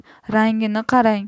rangini qarang